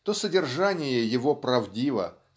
то содержание его правдиво